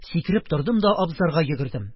Сикереп тордым да абзарга йөгердем.